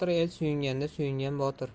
el suyunganda suyungan botir